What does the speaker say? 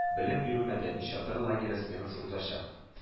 Белем бирү-мәдәни чатыр лагере сменасы узачак